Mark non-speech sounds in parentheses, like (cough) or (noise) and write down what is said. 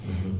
(hesitation) (hesitation)